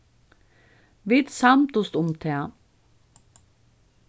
vit samdust um tað